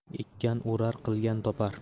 ekkan o'rar qilgan topar